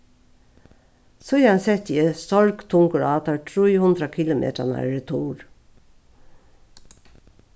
síðan setti eg sorgtungur á teir trý hundrað kilometrarnar retur